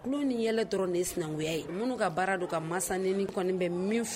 Tulo ni yɛlɛ dɔrɔn nin sinankuya ye minnu ka baara don ka masaren kɔni bɛ min